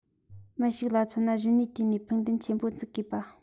མི ཞིག ལ མཚོན ན གཞོན ནུའི དུས ནས ཕུགས འདུན ཆེན པོ འཛུགས དགོས པ